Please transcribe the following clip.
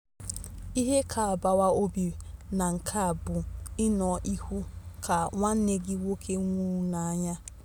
Ihe ka agbawa obi na nke a bụ ịnọ hụ ka nwanne gị nwoke nwụrụ n'anya.